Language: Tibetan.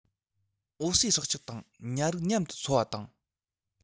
འོ གསོས སྲོག ཆགས དང ཉ རིགས མཉམ དུ འཚོ བ དང